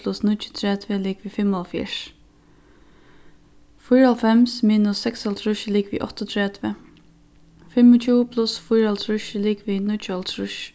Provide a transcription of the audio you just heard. pluss níggjuogtretivu ligvið fimmoghálvfjerðs fýraoghálvfems minus seksoghálvtrýss er ligvið áttaogtretivu fimmogtjúgu pluss fýraoghálvtrýss er ligvið níggjuoghálvtrýss